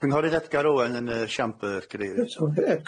Yy. Cynghorydd Efgar Rowan yn yy siambyr yy gadeirydd.